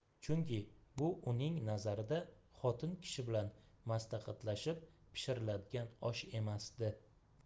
chunki bu uning nazarida xotin kishi bilan maslahatlashib pishiriladigan osh emasdi